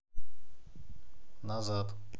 назад